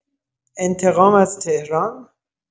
انتقام از تهران؟